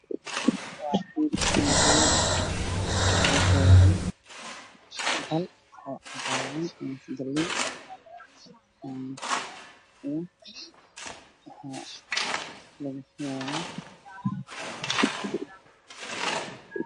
Waxaa ii muuqda geed yar oo cagaaran oo dad dul fadhiyaan dadkana gacmahooda waa madow dhulku waa ciid